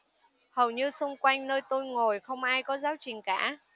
hầu như xung quanh nơi tôi ngồi không ai có giáo trình cả